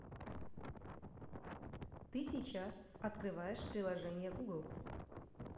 ты сейчас открываешь приложение google